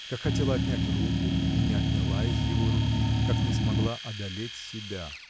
как хотела отнять руку и не отняла из его руки как не смогла одолеть себя.